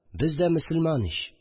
Без дә мөселман ич